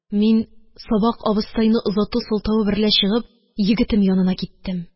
Мин, сабак абызтайны озату сылтавы берлә чыгып, егетем янына киттем.